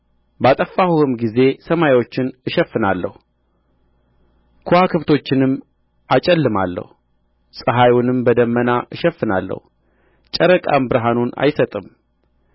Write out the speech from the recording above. ባጠፋሁህም ጊዜ ሰማዮችን እሸፍናለሁ ከዋክብቶችንም አጨልማለሁ ፀሐዩንም በደመና እሸፍናለሁ ጨረቃም ብርሃኑን አይሰጥም